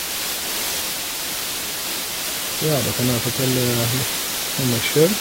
Ja, da kan jeg fortelle litt om meg sjøl.